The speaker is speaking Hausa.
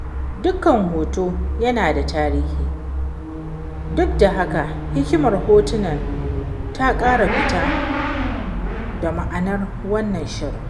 'Ɗaukar hoto yana da tasiri, duk da haka hikimar hotunan ta ƙara fito da ma'anar wannan shirin.